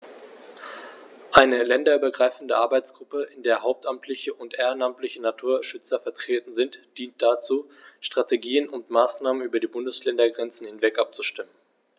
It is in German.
Eine länderübergreifende Arbeitsgruppe, in der hauptamtliche und ehrenamtliche Naturschützer vertreten sind, dient dazu, Strategien und Maßnahmen über die Bundesländergrenzen hinweg abzustimmen.